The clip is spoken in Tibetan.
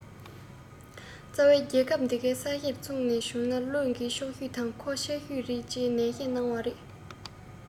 རྩ བ རྒྱལ ཁབ དེ གའི ས གཞིར ཚུགས ན བྱུང ན བློས འགེལ ཆོག ཤོས དང མཁོ ཆེ ཤོས རེད ཅེས ནན བཤད གནང བ རེད